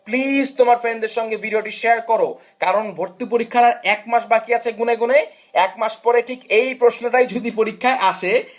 please তোমার friend দের সঙ্গে শেয়ার করো কারণ ভর্তি পরীক্ষার আর এক মাস বাকি আছে গুনে গুনে এক মাস পরে ঠিক এই প্রশ্নটাই যদি ভর্তি পরীক্ষায় আসে